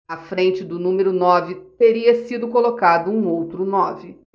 à frente do número nove teria sido colocado um outro nove